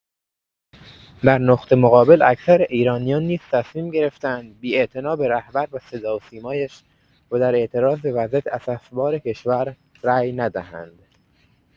در نقطه مقابل اکثر ایرانیان نیز تصمیم گرفته‌اند بی‌اعتنا به رهبر و صداوسیمایش و در اعتراض به وضعیت اسف‌بار کشور، رای ندهند.